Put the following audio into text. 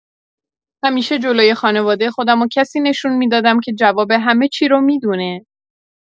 همیشه جلوی خانواده خودمو کسی نشون می‌دادم که جواب همه‌چی رو می‌دونه.